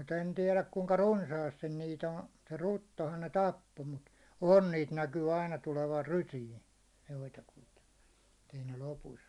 mutta en tiedä kuinka runsaasti niitä on se ruttohan ne tappoi mutta on niitä näkyy aina tulevan rysiin joitakuita että ei ne lopussa ole